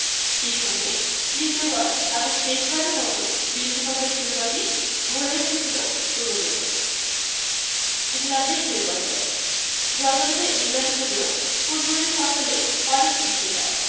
সেই সঙ্গে দ্বিতীয়বার এবং শেষবারের মতো বিশ্বকাপের শিরোপাটি ঘরে উঠেছিল উরুগুয়ের ইংল্যান্ডের শিরোপা জয় জন্মদাতা ইংল্যান্ড হলেও ফুটবলীয় সাফল্যে অনেক পিছিয়ে তারা